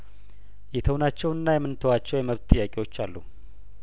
የተውናቸውና የምንተዋቸው የመብት ጥያቄዎች አሉ